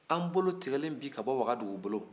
an bolo tɛgɛlen bi ka bɔ wagadugu bolo